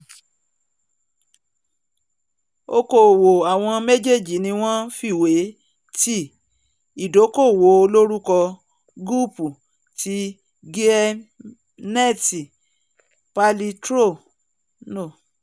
Oko-òwò àwọn méjèèjì ni wọ́n fiwe ti ìdókóòwò olórúkọ Goop ti Gwyneth Paltrow.